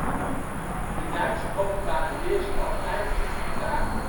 Duitse openbare weerstand leidde tot vertraging